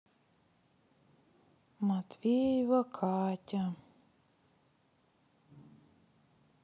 матвеева катя